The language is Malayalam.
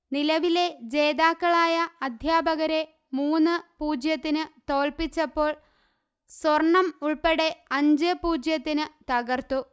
നിലവിലെ ജേതാക്കളായ അദ്ധ്യാപകരെ മൂന്ന് പൂജ്യത്തിന് തോല്പ്പിച്ചപ്പോള് സ്വര്ണ്ണം ഉള്പ്പെടെ അഞ്ച് പൂജ്യത്തിന് തകര്ത്തു